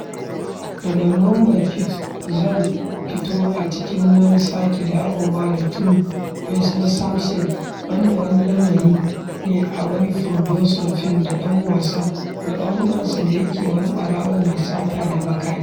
Daga Nuwamba Kit zau fito a cikin wani sake dawowa da True West na Sam Shepard wanda wani labari ne na wani furodusan fim da ɗan uwansa, da yake wani ɓarawo mai sata da makami.